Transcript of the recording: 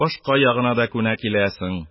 Башка ягына да күнә киләсең;